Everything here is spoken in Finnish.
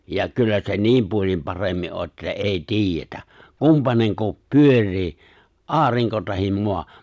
ja kyllä se niin puolin paremmin on että ei tiedetä kumpainen pyörii aurinko tai maa